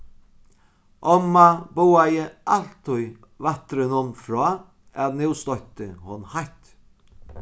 omma boðaði altíð vættrunum frá at nú stoytti hon heitt